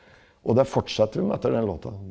og det fortsetter vi med etter den låta.